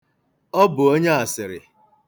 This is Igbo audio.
Ọ bụ onye asịrị.